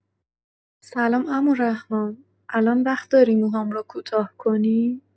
سلام عمو رحمان، الان وقت داری موهام رو کوتاه کنی؟